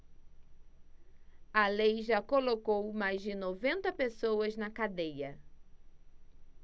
a lei já colocou mais de noventa pessoas na cadeia